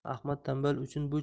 ahmad tanbal uchun bu